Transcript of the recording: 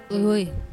O y'o ye